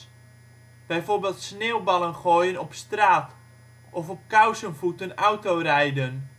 bijvoorbeeld sneeuwballen gooien op straat of op kousenvoeten autorijden